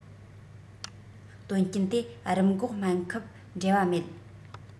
དོན རྐྱེན དེ རིམས འགོག སྨན ཁབ འབྲེལ བ མེད